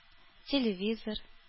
Телевизор